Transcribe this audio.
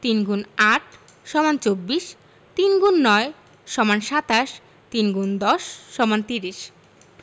৩ X ৮ = ২৪ ৩ X ৯ = ২৭ ৩ ×১০ = ৩০